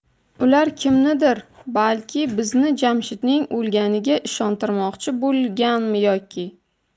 ular kimnidir balki bizni jamshidning o'lganiga ishontirishmoqchi bo'lishganmi yoki